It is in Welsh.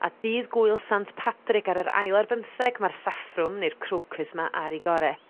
a dydd gŵyl sant Padrig ar yr ail ar bymtheg ma'r saffrwm neu'r crocus 'ma ar 'i gore.